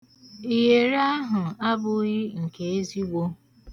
Iyeri a abụghị nke ezigbo.